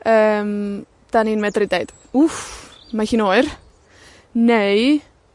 yym 'dan ni'n medru wff, mae hi'n oer, neu,